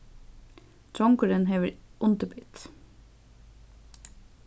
drongurin hevur undirbit